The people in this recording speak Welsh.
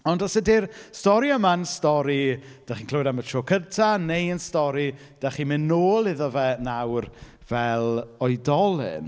Ond os ydi'r stori yma'n stori dach chi'n clywed am y tro cynta, neu yn stori dach chi'n mynd nôl iddo fe nawr fel oedolyn.